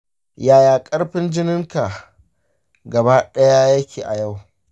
yaya karfin jikinka gaba daya yake a yau?